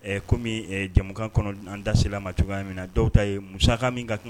Comme jɛmukan kɔnɔ an dase ma cogoya min na dɔw ta ye musaka min